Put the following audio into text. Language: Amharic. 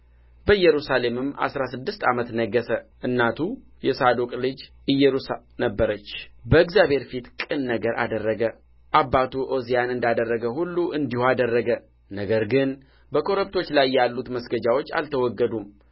በኢየሩሳሌምም አሥራ ስድስት ዓመት ነገሠ እናቱ የሳዶቅ ልጅ ኢየሩሳ ነበረች በእግዚአብሔር ፊት ቅን ነገር አደረገ አባቱ ዖዝያን እንዳደረገ ሁሉ እንዲሁ አደረገ ነገር ግን በኮረብቶች ላይ ያሉት መስገጃዎች አልተወገዱም